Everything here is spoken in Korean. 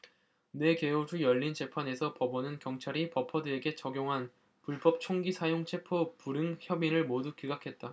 네 개월 후 열린 재판에서 법원은 경찰이 버퍼드에게 적용한 불법 총기 사용 체포 불응 혐의를 모두 기각했다